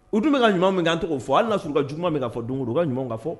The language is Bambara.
U dun min ka ɲuman min kan t to fɔ hali suru ka jugu dumanuma min k ka fɔ don u ka ɲuman ka fɔ